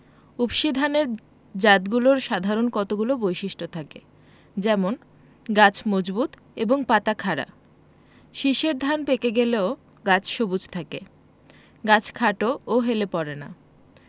উফশী ধানের জাতগুলোর সাধারণ কতগুলো বৈশিষ্ট্য থাকে যেমনঃ গাছ মজবুত এবং পাতা খাড়া শীষের ধান পেকে গেলেও গাছ সবুজ থাকে গাছ খাটো ও হেলে পড়ে না